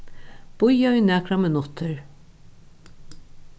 bíða í nakrar minuttir